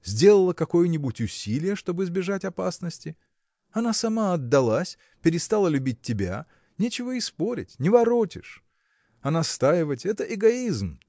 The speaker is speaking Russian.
сделала какое-нибудь усилие, чтоб избежать опасности? Она сама отдалась перестала любить тебя нечего и спорить – не воротишь! А настаивать – это эгоизм!